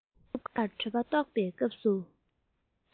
སྐབས འགར གྲོད པ ལྟོགས པའི སྐབས སུ